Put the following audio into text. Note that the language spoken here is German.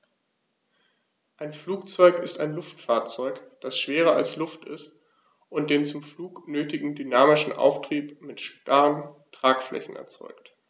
Ein Flugzeug ist ein Luftfahrzeug, das schwerer als Luft ist und den zum Flug nötigen dynamischen Auftrieb mit starren Tragflächen erzeugt.